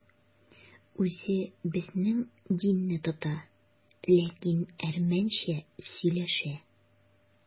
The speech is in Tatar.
Үзе безнең динне тота, ләкин әрмәнчә сөйләшә.